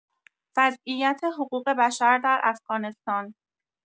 وضعیت حقوق‌بشر در افغانستان